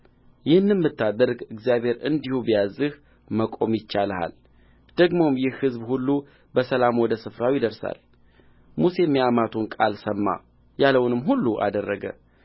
ይህንም ብታደርግ እግዚአብሔር እንዲሁ ቢያዝዝህ መቆም ይቻልሃል ደግሞም ይህ ሕዝብ ሁሉ በሰላም ወደ ስፍራው ይደርሳል ሙሴም የአማቱን ቃል ሰማ ያለውንም ሁሉ አደረገ